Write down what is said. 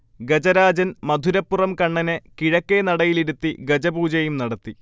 ഗജരാജൻ മധുരപ്പുറം കണ്ണനെ കിഴക്കേ നടയിലിരുത്തി ഗജപൂജയും നടത്തി